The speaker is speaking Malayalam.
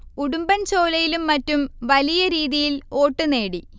ഉടുമ്ബൻ ചോലയിലും മറ്റും വലിയ രീതിയിൽ വോട്ട് നേടി